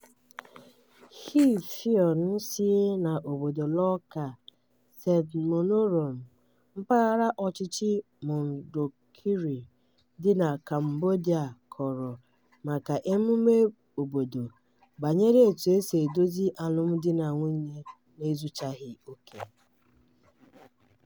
Hea Phoeun si n'Obodo Laoka, Senmonorom, Mpaghara Ọchịchị Mondulkiri dị na Cambodia kọrọ maka emume obodo banyere etu e si edozi alumdinanwunye na-ezuchaghị oke.